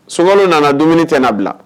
So nana dumuni tɛ na bila